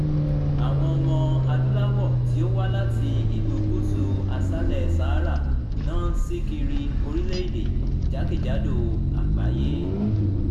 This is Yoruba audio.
Awọn ọmọ-adúláwọ̀ tí ó wá láti Ìlú Gúúsù Aṣálẹ̀ Sahara náà ń ṣí kiri orílẹ̀-èdè jákèjádò àgbáyé.